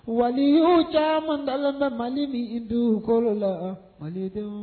Waliyuw caman dalen bɛ Mali min dunkolo la malidenw